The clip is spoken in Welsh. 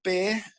be'